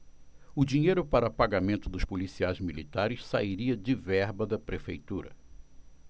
o dinheiro para pagamento dos policiais militares sairia de verba da prefeitura